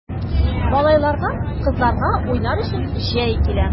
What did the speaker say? Малайларга, кызларга уйнар өчен җай килә!